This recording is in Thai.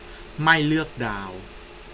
ไม่เลือกดาว